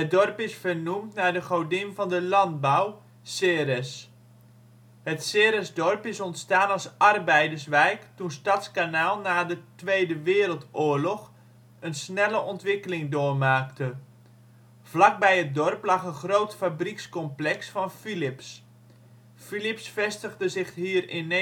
dorp is vernoemd naar de godin van de landbouw: Ceres. Het Ceresdorp is ontstaan als arbeiderswijk toen Stadskanaal na de Tweede Wereldoorlog een snelle ontwikkeling doormaakte. Vlak bij het dorp lag een groot fabriekscomplex van Philips. Philips vestigde zich hier in